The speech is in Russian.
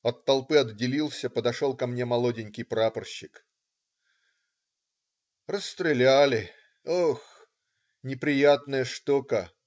От толпы отделился, подошел ко мне молоденький прапорщик. - Расстреляли. Ох, неприятная шутка.